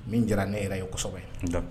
Min diyara ne yɛrɛ ye kɔsɛbɛ d'accord